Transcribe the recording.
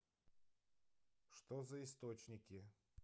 что за источники